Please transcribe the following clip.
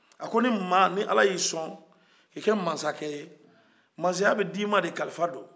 ko ni maa ni ala y'i sɔn k'i kɛ masakɛ masaya bɛ d'i man de kalifa do